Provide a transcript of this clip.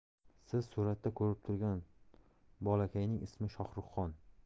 siz suratda ko'rib turgan bolakayning ismi shohruxxon